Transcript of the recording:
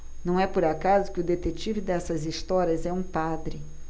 não é por acaso que o detetive dessas histórias é um padre